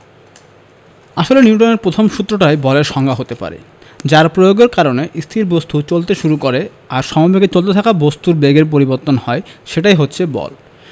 আসলে নিউটনের প্রথম সূত্রটাই বলের সংজ্ঞা হতে পারে যার প্রয়োগের কারণে স্থির বস্তু চলতে শুরু করে আর সমবেগে চলতে থাকা বস্তুর বেগের পরিবর্তন হয় সেটাই হচ্ছে বল